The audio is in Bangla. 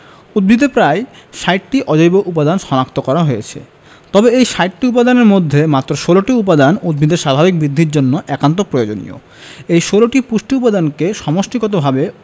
উদ্ভিদে প্রায় ৬০টি অজৈব উপাদান শনাক্ত করা হয়েছে তবে এই ৬০টি উপাদানের মধ্যে মাত্র ১৬টি উপাদান উদ্ভিদের স্বাভাবিক বৃদ্ধির জন্য একান্ত প্রয়োজনীয় এ ১৬টি পুষ্টি উপাদানকে সমষ্টিগতভাবে